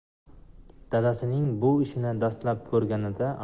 dadasining bu ishini dastlab ko'rganida